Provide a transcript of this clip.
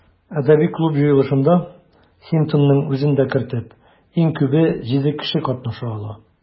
Әдәби клуб җыелышында, Хинтонның үзен дә кертеп, иң күбе җиде кеше катнаша ала.